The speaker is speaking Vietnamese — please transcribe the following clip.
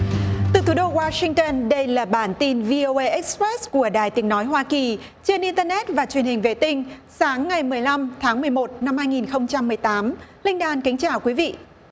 từ thủ đô goa sinh tơn đây là bản tin vi âu ây ích pờ rét của đài tiếng nói hoa kỳ trên in tơ nét và truyền hình vệ tinh sáng ngày mười lăm tháng mười một năm hai nghìn không trăm mười tám linh đàn kính chào quý vị